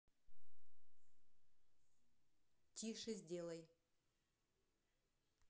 тише сделай